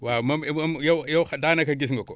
waaw moom moom yow yow xa daanaka gis nga ko